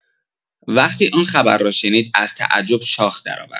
وقتی آن خبر را شنید، از تعجب شاخ درآورد.